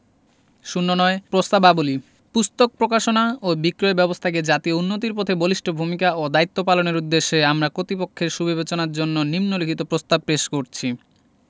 ০৯ প্রস্তাবাবলী পুস্তক প্রকাশনা ও বিক্রয় ব্যাবস্থাকে জাতীয় উন্নতির পথে বলিষ্ঠ ভূমিকা ও দায়িত্ব পালনের উদ্দেশ্যে আমরা কর্তৃপক্ষের সুবিবেচনার জন্য নিন্ম লিখিত প্রস্তাব পেশ করছি